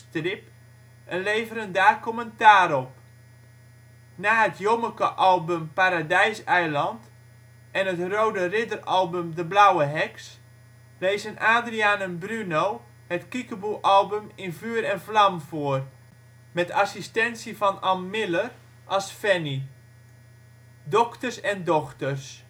strip en leveren daar commentaar op. Na het Jommeke-album Paradijseiland en het Rode Ridder-album De Blauwe Heks lezen Adriaan en Bruno het Kiekeboealbum In vuur en vlam voor, met assistentie van An Miller als Fanny. Dokters en Dochters